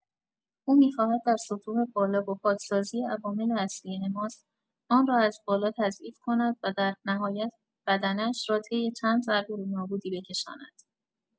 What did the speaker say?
او می‌خواهد در سطوح بالا با پاکسازی عوامل اصلی حماس، آن را از بالا تضعیف کند و در نهایت بدنه‌ش را طی چند ضربه به نابودی بکشاند.